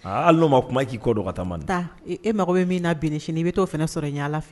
Aaa n'o ma o kuma ma k'i kɔ dɔ ka taa ma taa e mago bɛ min n'a bin sini i bɛ to o f sɔrɔ ɲɛa lafi